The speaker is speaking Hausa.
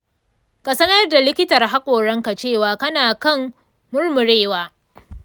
ka sanar da likitan haƙoranka cewa kana kan murmurewa.